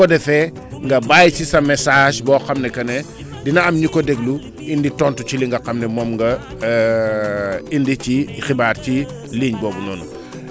bu ko defee nga bàyyi ci sa message boo xam ne que ne dina am ñu ko déglu indi tontu ci li nga xam ne moom nga indi ci xibaar ci ligne boobu noonu